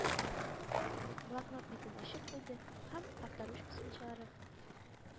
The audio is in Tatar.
Блокнот битен ачып куйды һәм авторучкасын чыгарып